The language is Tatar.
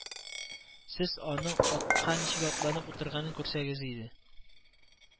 Сез аның атка ничек атланып утырганын күрсәгез иде